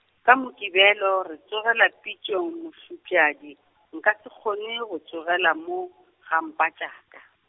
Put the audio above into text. ka Mokibelo re tsogela pitšong Mošopšadi , nka se kgone go tsogela moo, ga Mpatšaka.